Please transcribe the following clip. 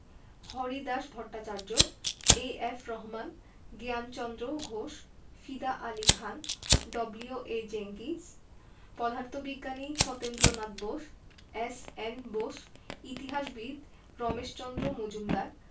Haridas Bhattacharya A F Rahman Jnanchandra Ghosh Fida Ali Khan W A Jenkins পদার্থবিজ্ঞানী Satyendranath Bose S N Bose ইতিহাসবিদ রমেশচন্দ্র মজুমদার